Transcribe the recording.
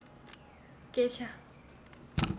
སྐད ཆ